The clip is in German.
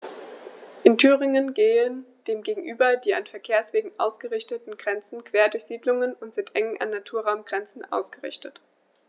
In Thüringen gehen dem gegenüber die an Verkehrswegen ausgerichteten Grenzen quer durch Siedlungen und sind eng an Naturraumgrenzen ausgerichtet.